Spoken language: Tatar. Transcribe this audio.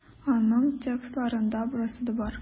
Аның текстларында барысы да бар.